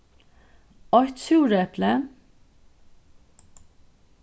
eitt súrepli